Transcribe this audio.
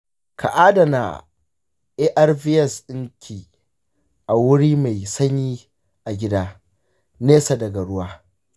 ka adana arvs ɗinki a wuri mai sanyi a gida, nesa daga ruwa.